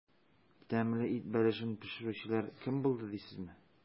Тәмле ит бәлешен пешерүчеләр кем булды дисезме?